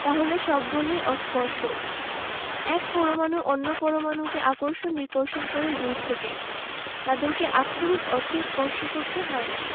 তাহলে সব বলই অস্পর্শক এক পরমাণু অন্য পরমাণুকে আকর্ষণ বিকর্ষণ করে দূর থেকে তাদেরকে আক্ষরিক অর্থে স্পর্শ করতে হয় না